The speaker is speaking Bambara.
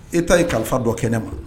E t'a ye kalifa dɔ kɛnɛ ma